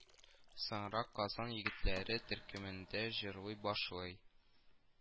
Соңрак Казан егетләре төркемендә җырлый башлый